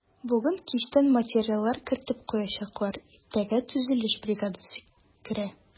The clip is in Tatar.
Бүген кичтән материаллар кертеп куячаклар, иртәгә төзелеш бригадасы керә.